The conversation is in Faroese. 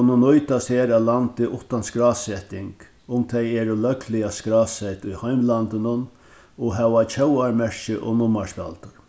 kunnu nýtast her á landi uttan skráseting um tey eru løgliga skrásett í heimlandinum og hava tjóðarmerki og nummarspjaldur